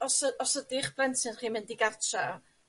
os y- os ydi'ch blentyn chi mynd i gartra